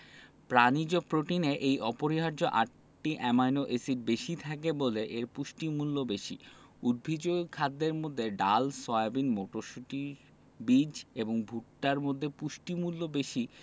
প্রাণিজ প্রোটিনে এই অপরিহার্য আটটি অ্যামাইনো এসিড বেশি থাকে বলে এর পুষ্টিমূল্য বেশি উদ্ভিজ্জ খাদ্যের মধ্যে ডাল সয়াবিন মটরশুটি বীজ এবং ভুট্টার মধ্যে পুষ্টিমূল্য বেশি